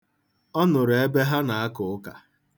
Ọ nụrụ ebe ha na-aka aka.